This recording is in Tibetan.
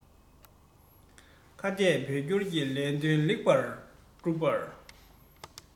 ཁ གཏད བོད སྐྱོར གྱི ལས དོན ལེགས པར སྒྲུབ པར